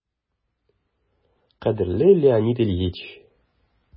«кадерле леонид ильич!»